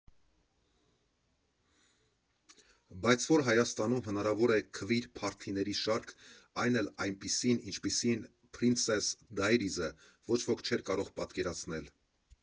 Բայց որ Հայաստանում հնարավոր է քվիր փարթիների շարք, այն էլ այնպիսին, ինչպիսին Փրինսես Դայրիզը, ոչ ոք չէր կարող պատկերացնել։